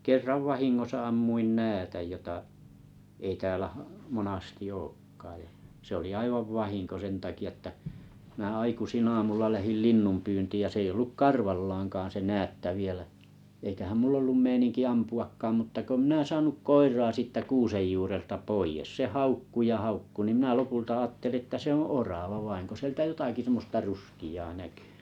kerran vahingossa ammuin näädän jota ei täällä monasti olekaan ja se oli aivan vahinko sen takia että minä aikaisin aamulla lähdin linnunpyyntiin ja se ei ollut karvallaankaan se näätä vielä eikähän minulla ollut meininki ampuakaan mutta kun minä saanut koiraa siitä kuusen juurelta pois se haukkui ja haukkui niin minä lopulta ajattelin että se on orava vain kun sieltä jotakin semmoista ruskeaa näkyi